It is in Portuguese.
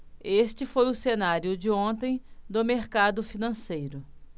este foi o cenário de ontem do mercado financeiro